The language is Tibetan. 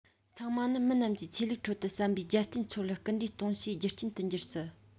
ཚང མ ནི མི རྣམས ཀྱིས ཆོས ལུགས ཁྲོད དུ བསམ པའི རྒྱབ རྟེན འཚོལ བར སྐུལ འདེད གཏོང བྱེད རྒྱུ རྐྱེན དུ འགྱུར སྲིད